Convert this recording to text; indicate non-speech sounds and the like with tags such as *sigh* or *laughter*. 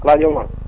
ElHadj Omar *noise*